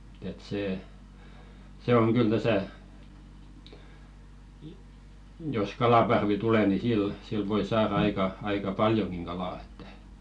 että se se on kyllä tässä jos kalaparvi tulee niin sillä sillä voi saada aika aika paljonkin kalaa että